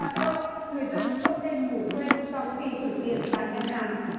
và theo ông người dân không nên ngủ quên sau khi gửi tiền tại ngân hàng